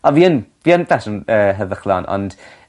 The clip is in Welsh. A fi yn fi yn person yy heddychlon ond